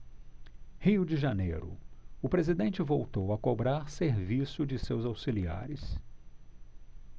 rio de janeiro o presidente voltou a cobrar serviço de seus auxiliares